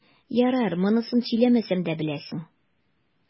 Ярар, монысын сөйләмәсәм дә беләсең.